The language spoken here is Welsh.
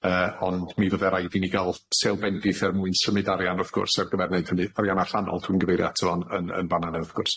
Yy ond mi fyddai raid i ni ga'l seil bendith er mwyn symud arian wrth gwrs ar gyfer neud hynny arian allanol dwi'n gyfeirio ato fo'n yn yn fanana wrth gwrs.